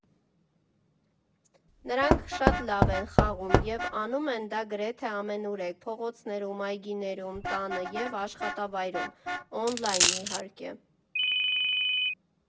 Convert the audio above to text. Նրանք շատ լավ են խաղում և անում են դա գրեթե ամենուրեք՝ փողոցներում, այգիներում, տանը և աշխատավայրում, օնլայն, իհարկե։